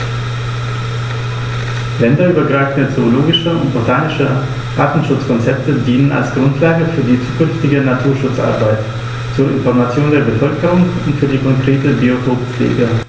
Länderübergreifende zoologische und botanische Artenschutzkonzepte dienen als Grundlage für die zukünftige Naturschutzarbeit, zur Information der Bevölkerung und für die konkrete Biotoppflege.